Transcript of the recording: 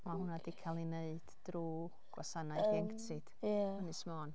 Ma' hwnna 'di cael ei wneud drwy gwasanaeth... yym. ...ieuenctid... ia. ...ynys Môn.